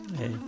eyyi